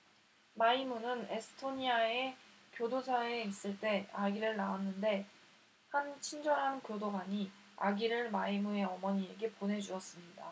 마이무는 에스토니아의 교도소에 있을 때 아기를 낳았는데 한 친절한 교도관이 아기를 마이무의 어머니에게 보내 주었습니다